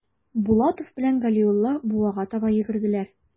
Булатов белән Галиулла буага таба йөгерделәр.